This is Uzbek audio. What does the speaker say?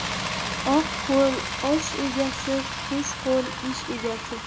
oq qo'l osh egasi kuch qo'l ish egasi